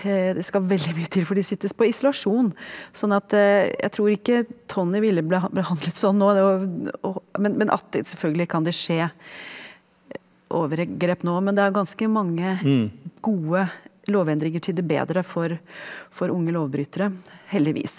det skal veldig mye til før de settes på isolasjon sånn at jeg tror ikke Tonnie ville behandlet sånn nå det men men at selvfølgelig kan det skje overgrep nå, men det er ganske mange gode lovendringer til det bedre for for unge lovbrytere, heldigvis.